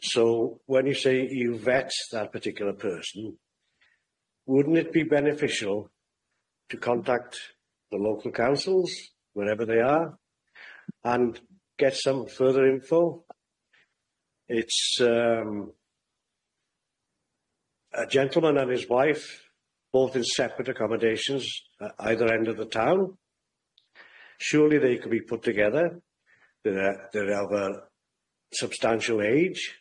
so when you say you vet that particular person wouldn't it be beneficial to contact the local councils wherever they are and get some further info it's um a gentleman and his wife both in separate accommodations either end of the town surely they could be put together they're they're of a substantial age